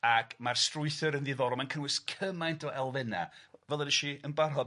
Ac ma'r strwythur yn diddorol. Mae'n cynnwys cymaint o elfenne fel ddedesh i yn barod